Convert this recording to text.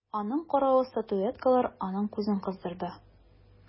Аның каравы статуэткалар аның күзен кыздырды.